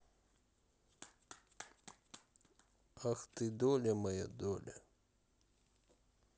ах ты доля моя доля